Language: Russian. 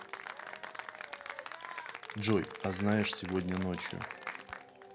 джой а знаешь сегодня ночью